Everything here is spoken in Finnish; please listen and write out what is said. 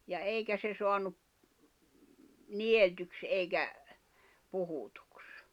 ja eikä se saanut niellyksi eikä puhutuksi